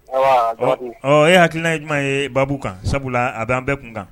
Nba baabu,Ɔ e hakilina ye jumɛn ye baabu kan, sabula a bɛ an bɛɛ kun kan.